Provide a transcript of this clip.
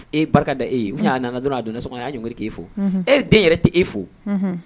Barika da e y'a e fo e den yɛrɛ tɛ e fo